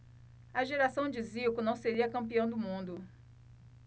a geração de zico não seria campeã do mundo